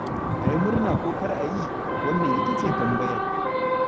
A yi murna ko kar a yi, wannan ita ce tambayar.